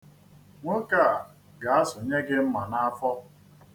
Nwoke a ga-asụnye gị mma n'afọ.